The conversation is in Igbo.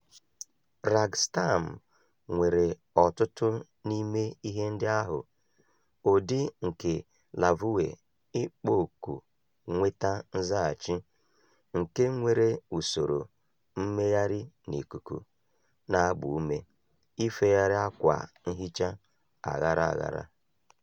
Rag Storm nwere ọtụtụ n'ime ihe ndị ahụ — ụdị nke lavụwee ịkpọ oku nweta nzaghachi, nke nwere usoro mmegharị n'ikuku na-agba ume ifegharị akwa nhicha aghara aghara.